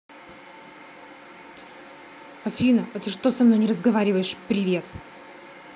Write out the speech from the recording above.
афина а ты что со мной не разговариваешь привет